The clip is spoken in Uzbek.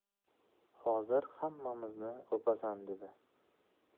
hozir hammamizni o'pasan dedi